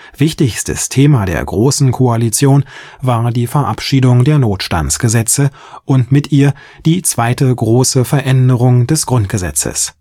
Wichtigstes Thema der Großen Koalition war die Verabschiedung der Notstandsgesetze und mit ihr die zweite große Veränderung des Grundgesetzes